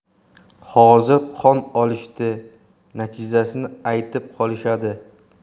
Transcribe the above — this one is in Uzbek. hozir qon olishdi natijasini aytib qolishadi